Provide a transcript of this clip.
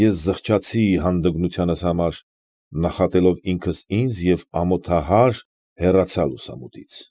Ես զղջացի հանդգնությանս համար, նախատելով ինքս ինձ, և ամոթահար հեռացա լուսամուտից։